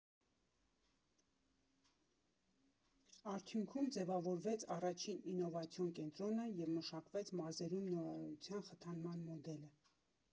Արդյունքում ձևավորվեց առաջին ինովացիոն կենտրոնը և մշակվեց մարզերում նորարարության խթանման մոդելը։